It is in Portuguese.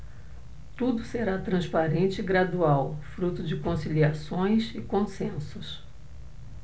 tudo será transparente e gradual fruto de conciliações e consensos